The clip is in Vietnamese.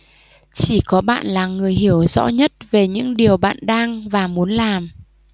chỉ có bạn là người hiểu rõ nhất về những điều bạn đang và muốn làm